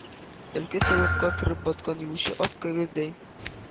Төлке толыпка кереп баткан юлчы ак кәгазьдәй